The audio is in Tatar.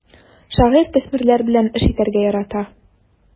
Шагыйрь төсмерләр белән эш итәргә ярата.